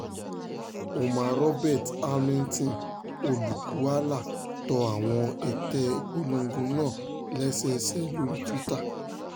Omar Robert Hamilton, olùkùu Alaa, to àwọn ète ìpolongo náà lẹ́sẹẹsẹ lóríi Twitter: